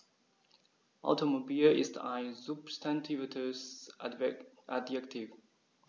Automobil ist ein substantiviertes Adjektiv.